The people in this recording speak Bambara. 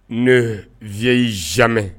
Ne vi zimɛ